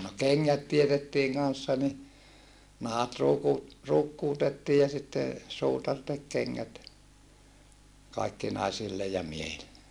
no kengät teetettiin kanssa niin nahat - ruukkuutettiin ja sitten suutari teki kengät kaikki naisille ja miehille